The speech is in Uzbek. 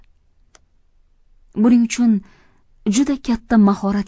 buning uchun juda katta mahorat